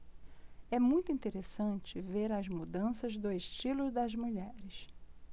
é muito interessante ver as mudanças do estilo das mulheres